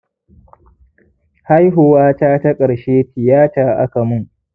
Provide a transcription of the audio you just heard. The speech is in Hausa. haihuwata ta karshe tiyata akamun